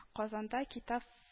Казанда “Китап